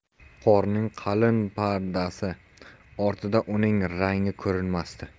qorning qalin pardasi ortida uning rangi ko'rinmasdi